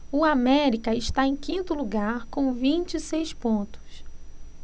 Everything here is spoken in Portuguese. o américa está em quinto lugar com vinte e seis pontos